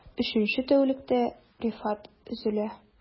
Өченче тәүлектә Рифат өзелә...